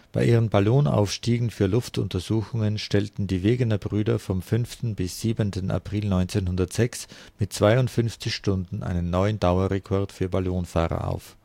Bei ihren Ballonaufstiegen für Luftuntersuchungen stellten die Wegener-Brüder vom 5. April bis 7. April 1906 mit 52 Stunden einen neuen Dauerrekord für Ballonfahrer auf